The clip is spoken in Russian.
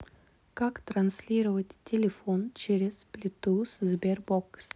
как транслировать телефон через bluetooth sberbox